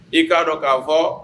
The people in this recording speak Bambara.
I k'a dɔn k'a fɔ